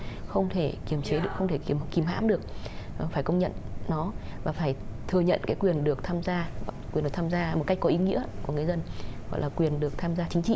không thể kiềm chế được không thể kìm kìm hãm được phải công nhận nó và phải thừa nhận cái quyền được tham gia quyền được tham gia một cách có ý nghĩa của người dân gọi là quyền được tham gia chính trị